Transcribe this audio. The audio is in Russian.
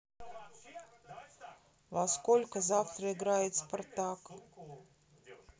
во сколько завтра играет спартак